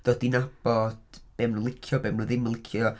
Dod i nabod be maen nhw'n licio, be maen nhw ddim yn licio.